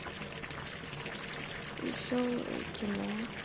веселое кино